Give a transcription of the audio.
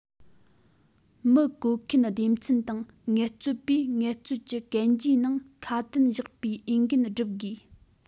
མི བཀོལ མཁན སྡེ ཚན དང ངལ རྩོལ པས ངལ རྩོལ གྱི གན རྒྱའི ནང ཁ དན བཞག པའི འོས འགན བསྒྲུབ དགོས